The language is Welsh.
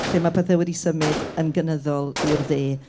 lle ma' pethau wedi symud yn gynyddol i'r dde,